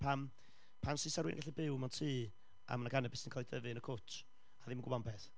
pam, pam sut 'sa rywyn yn gallu byw mewn tŷ, a ma' 'na ganabis yn cael ei dyfu yn y cwt, a ddim yn gwybod am y peth.